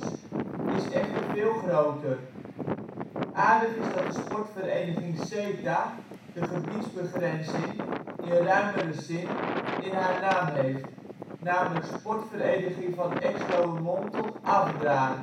veel groter. Aardig is dat de sportvereniging (SETA) de gebiedsbegrenzing (in ruimere zin) in haar naam heeft, nl. Sportvereniging van Exloërmond Tot Afdraai